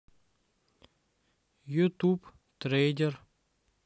ютюб трейдер